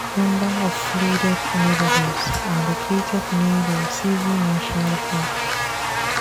A large number of the flooded neighbourhoods are located near the Rusizi National Park.